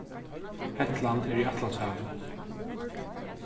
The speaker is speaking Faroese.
hetland er í atlantshavinum